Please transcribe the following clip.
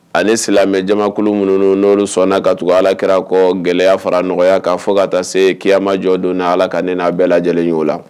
Ale silamɛjamakulu minnun sɔnna ka tugu ala kɔ gɛlɛya fara nɔgɔya kan fo ka taa se kiyamajɔdon na ala ka na bɛɛ lajɛlen ye o la.